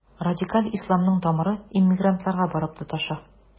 Радикаль исламның тамыры иммигрантларга барып тоташа.